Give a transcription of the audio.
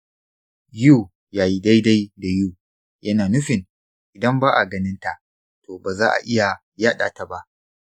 u yayi daidai da u yana nufin idan ba'a ganinta to baza'a iya yaɗata ba.